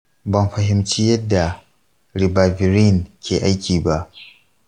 ban fahimci yadda ribavirin ke aiki ba.